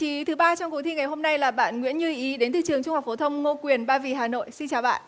trí thứ ba trong cuộc thi ngày hôm nay là bạn nguyễn như ý đến từ trường trung học phổ thông ngô quyền ba vì hà nội xin chào bạn